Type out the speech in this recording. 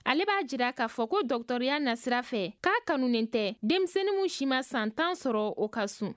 ale b'a jira k'a fɔ ko dɔgɔtɔrɔya nasira fɛ k'a kanunen tɛ denmisɛnnin min si ma san tan sɔrɔ o ka sun